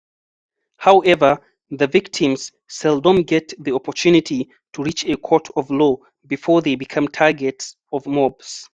However, the victims seldom get the opportunity to reach a court of law before they become targets of mobs.